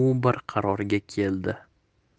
u bir qarorga keldi